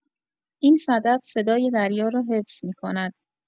این صدف صدای دریا را حفظ می‌کند.